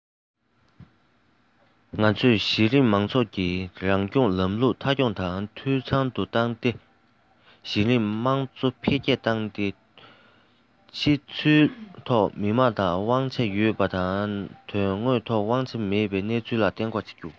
ང ཚོས གཞི རིམ མང ཚོགས ཀྱི རང སྐྱོང ལམ ལུགས མཐའ འཁྱོངས དང འཐུས ཚང དུ བཏང ནས གཞི རིམ དམངས གཙོ འཕེལ རྒྱས བཏང སྟེ ཕྱི ཚུལ ཐོག མི དམངས ལ དབང ཆ ཡོད པ དང དོན དངོས ཐོག དབང ཆ མེད པའི སྣང ཚུལ ཐོན རྒྱུ གཏན འགོག བྱེད དགོས